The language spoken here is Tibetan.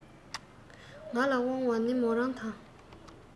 ང ལ དབང བ ནི མོ རང དང